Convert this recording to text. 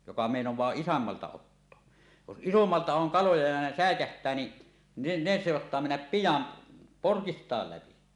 joka meinaa isommalta ottaa jos isommalta on kaloja ja ne säikähtää niin ne ne saattaa mennä pian porkista läpi